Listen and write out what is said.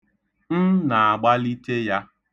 M na-agbalite ya.